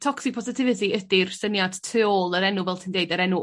toxic positivity ydi'r syniad tu ôl yr enw fel ty'n deud yr enw